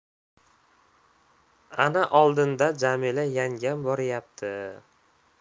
ana oldinda jamila yangam boryapti